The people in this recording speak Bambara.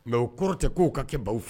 Nka o kɔrɔ tɛ k'o ka kɛ baw fɛ